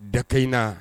Da in na